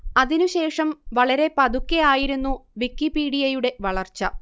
അതിനു ശേഷം വളരെ പതുക്കെ ആയിരുന്നു വിക്കിപീഡിയയുടെ വളർച്ച